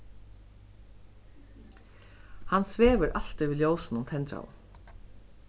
hann svevur altíð við ljósinum tendraðum